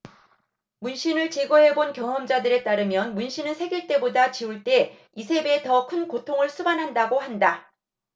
문신을 제거해 본 경험자들에 따르면 문신은 새길 때보다 지울 때 이 세 배 더 큰 고통을 수반한다고 한다